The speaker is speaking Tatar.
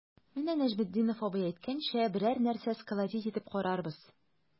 Менә Нәҗметдинов абый әйткәнчә, берәр нәрсә сколотить итеп карарбыз.